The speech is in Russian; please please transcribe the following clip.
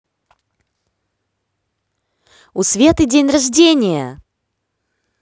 у светы день рождения